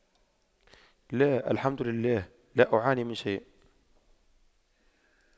لا الحمد لله لا أعاني من شيء